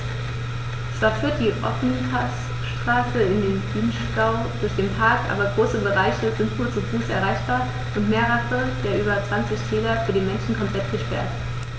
Zwar führt die Ofenpassstraße in den Vinschgau durch den Park, aber große Bereiche sind nur zu Fuß erreichbar und mehrere der über 20 Täler für den Menschen komplett gesperrt.